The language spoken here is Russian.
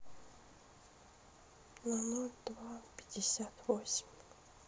на ноль два пятьдесят восемь